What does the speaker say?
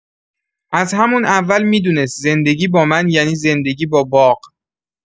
از همون اول می‌دونست زندگی با من یعنی زندگی با باغ.